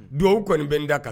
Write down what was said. Don kɔni nin da kan